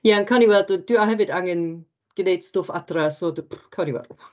Ia, cawn ni weld. Ond hefyd, dwi hefyd angen gwneud stwff adre, so dw... cawn ni weld.